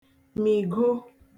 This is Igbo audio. mị̀go